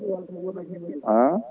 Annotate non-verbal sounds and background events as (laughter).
(crosstalk) han